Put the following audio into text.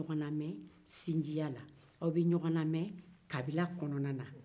aw bɛ ɲɔgɔn lamɛn sinjiya la aw bɛ ɲɔgɔn lamɛn kabila kɔnɔna na